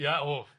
Ia, o.